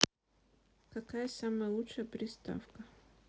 какая самая лучшая приставка